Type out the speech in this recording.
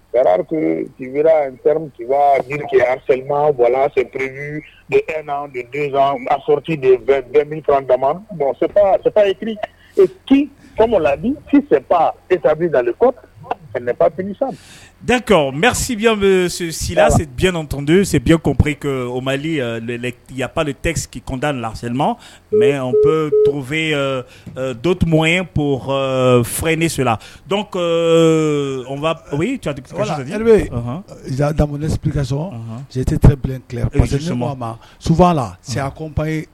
Dɛ mɛsibiyan bɛsilasi nɔntɔnondo senbi kopere o mali yapli tɛki kɔntan lasma mɛ anp tobabufɛn donto ye ko h f furakɛnisola o yelibe yen zanadamupkaso jatete tɛbilen ma sufa la saya kɔnba ye